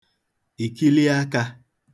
ìkiliakā